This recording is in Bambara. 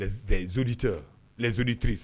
Z zodit zoditiri